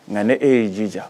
Nka ni e y ye jija